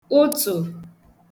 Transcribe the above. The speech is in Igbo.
ụtụ̀